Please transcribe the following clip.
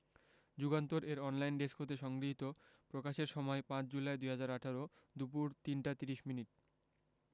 যুগান্তর এর online desk হতে সংগৃহীত প্রকাশের সময় ৫ জুলাই ২০১৮ দুপুর ৩টা ৩০ মিনিট